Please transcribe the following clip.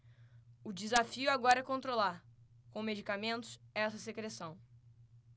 o desafio agora é controlar com medicamentos essa secreção